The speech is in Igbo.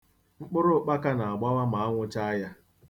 Mkpụrụ ụkpaka na-agbawa ma anwụ chaa ya.